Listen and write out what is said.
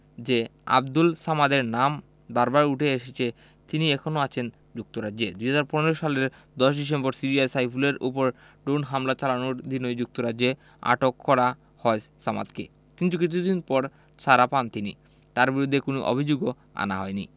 যে আবদুল সামাদের নাম বারবার উঠে এসেছে তিনি এখনো আছেন যুক্তরাজ্যে ২০১৫ সালের ১০ ডিসেম্বর সিরিয়ায় সাইফুলের ওপর ড্রোন হামলা চালানোর দিনই যুক্তরাজ্যে আটক করা হয় সামাদকে কিন্তু কিছুদিন পর ছাড়া পান তিনি তাঁর বিরুদ্ধে কোনো অভিযোগও আনা হয়নি